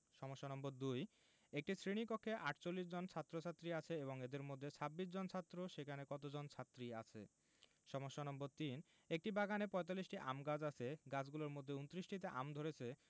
সমস্যা নম্বর২ একটি শ্রেণি কক্ষে ৪৮ জন ছাত্ৰ-ছাত্ৰী আছে এবং এদের মধ্যে ২৬ জন ছাত্র সেখানে কতজন ছাত্রী আছে সমস্যা নম্বর ৩ একটি বাগানে ৪৫টি আম গাছ আছে গাছগুলোর মধ্যে ২৯টিতে আম ধরেছে